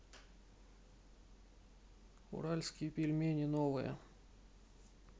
уральские пельмени новые